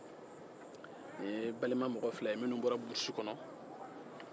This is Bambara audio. nin ye balima mɔgɔ fila ye minnu bɔra brurusi kɔnɔ